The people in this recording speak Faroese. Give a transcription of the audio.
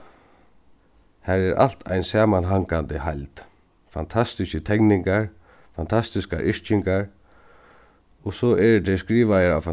har er alt ein samanhangandi heild fantastiskir tekningar fantastiskar yrkingar og so eru tær skrivaðar á